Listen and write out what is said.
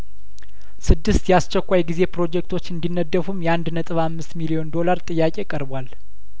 ስድስት የአስቸኳይ ጊዜ ፕሮጀክቶች እንዲ ነደፉም የአንድ ነጥብ አምስት ሚሊዮን ዶላር ጥያቄ ቀርቧል